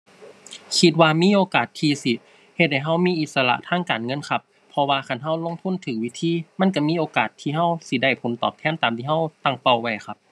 คิดว่ามีโอกาสที่สิเฮ็ดให้เรามีอิสระทางการเงินครับ เพราะว่าคันเราลงทุนเราวิธี มันเรามีโอกาสที่เราสิได้ผลตอบแทนตามที่เราตั้งเป้าไว้ครับ